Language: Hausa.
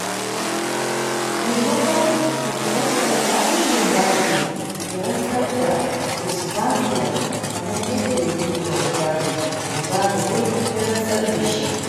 Maimakon babban alkalin Zimbabwe ya rantsar da Tsvangirai kamar yadda ya yi wa Mugabe, Mugabe ne ya rantsar da shi.